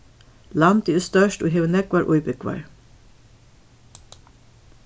landið er stórt og hevur nógvar íbúgvar